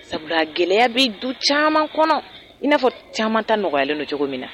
Sabula gɛlɛyaya bɛ du caman kɔnɔ i'a fɔ caman ta nɔgɔlen don cogo min na